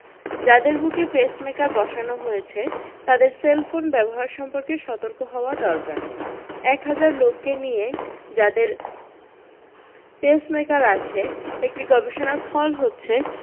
যাদের বুকে পেসমেকার বসানো হয়েছে তাদের সেলফোন ব্যবহার সম্পর্কে সতর্ক হওয়া দরকার এক হাজার লোককে নিয়ে যাদের পেসমেকার আছে একটি গবেষণার ফল হচ্ছে